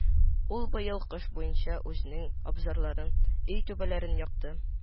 Ул быел кыш буенча үзенең абзарларын, өй түбәләрен якты